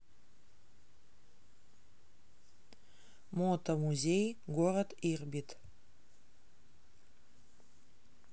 moto музей город ирбит